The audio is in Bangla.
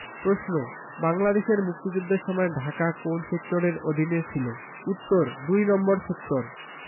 প্রশ্ন বাংলাদেশের মুক্তিযুদ্ধের সময় ঢাকা কোন সেক্টরের অধীনে ছিলো উত্তর দুই নম্বর সেক্টর